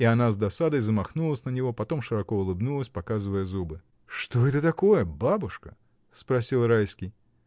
И она с досадой замахнулась на него, потом широко улыбнулась, показывая зубы. — Что это такое, бабушка? — спросил Райский.